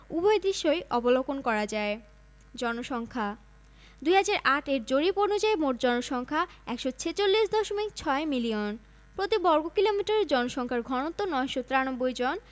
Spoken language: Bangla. উভয় দৃশ্যই অবলোকন করা যায় জনসংখ্যাঃ ২০০৮ এর জরিপ অনুযায়ী মোট জনসংখ্যা ১৪৬দশমিক ৬ মিলিয়ন প্রতি বর্গ কিলোমিটারে জনসংখ্যার ঘনত্ব ৯৯৩ জন